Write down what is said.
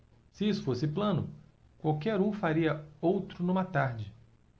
se isso fosse plano qualquer um faria outro numa tarde